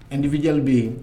N nibijali bɛ yen